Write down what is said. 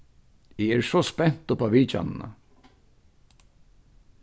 eg eri so spent upp á vitjanina